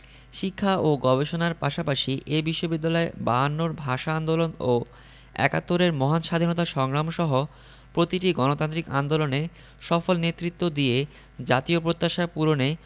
শিক্ষা ও গবেষণার পাশাপাশি এ বিশ্ববিদ্যালয় বায়ান্নর ভাষা আন্দোলন ও একাত্তরের মহান স্বাধীনতা সংগ্রাম সহ প্রতিটি গণতান্ত্রিক আন্দোলনে সফল নেতৃত্ব দিয়ে জাতীয় প্রত্যাশা পূরণে